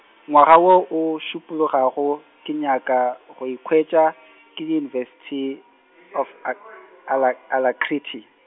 ngwaga wo o šupologago, ke nyaka go ikhwetša, ke le University of ac- ala, Alacrity.